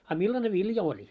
a millainen vilja oli